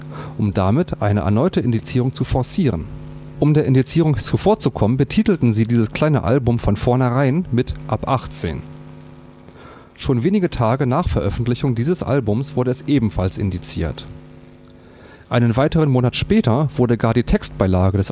damit eine erneute Indizierung zu forcieren. Um der Indizierung zuvorzukommen, betitelten sie dieses kleine Album von vornherein mit „ Ab 18 “. Schon wenige Tage nach Veröffentlichung dieses Albums wurde es ebenfalls indiziert. Einen weiteren Monat später wurde gar die Textbeilage